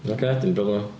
Oce, dim problem.